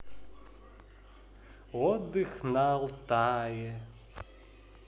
отдых на алтае